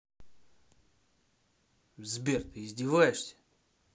сбер ты издеваешься